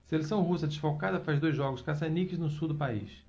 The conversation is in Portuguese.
seleção russa desfalcada faz dois jogos caça-níqueis no sul do país